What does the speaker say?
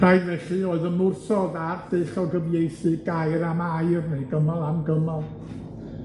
Rhaid felly oedd ymwrthod at dull o gyfieithu gair am air neu gymal am gymal,